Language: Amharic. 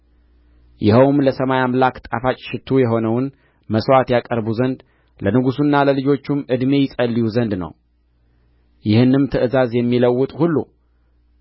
ይኸውም ለሰማይ አምላክ ጣፋጭ ሽቱ የሆነውን መሥዋዕት ያቀረቡ ዘንድ ለንጉሡና ለልጆቹም ዕድሜ ይጸልዩ ዘንድ ነው ይህንም ትእዛዝ የሚለውጥ ሁሉ